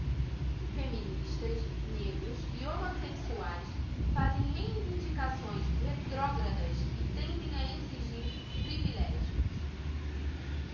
feministas negros e homossexuais fazem reivindicações retrógradas e tendem a exigir privilégios